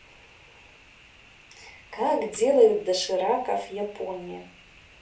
как делают дошираков япония